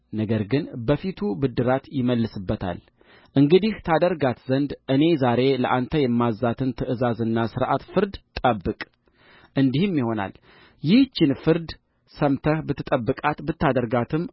ነገር ግን በፊቱ ብድራት ይመልስበታልእንግዲህ ታደርጋት ዘንድ እኔ ዛሬ ለአንተ የማዝዛትን ትእዛዝና ሥርዓት ፍርድንም ጠብቅእንዲህም ይሆናል ይህችን ፍርድ ሰምተህ ብትጠብቃት ብታደርጋትም